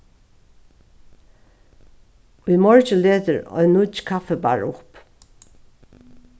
í morgin letur ein nýggj kaffibarr upp